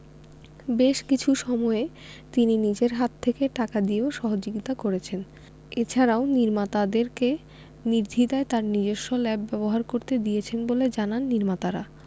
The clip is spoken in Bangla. বেশ কিছু সময়ে তিনি নিজের হাত থেকে টাকা দিয়েও সহযোগিতা করেছেন এছাড়াও নির্মাতাদেরকে নির্দ্বিধায় তার নিজস্ব ল্যাব ব্যবহার করতে দিয়েছেন বলে জানান নির্মাতারা